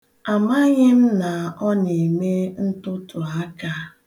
Amaghị m na ọ na-eme ntụtụaka.